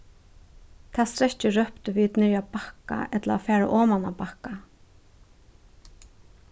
tað strekkið róptu vit niðri á bakka ella at fara oman á bakka